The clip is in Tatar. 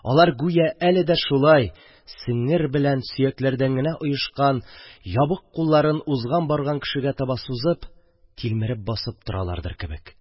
Алар гүя әле дә шулай, сеңер белән сөякләрдән генә оешкан ябык кулларын узган-барган кешегә таба сузып, тилмереп басып торалардыр кебек.